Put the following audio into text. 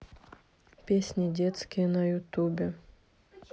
песни детские на ютубе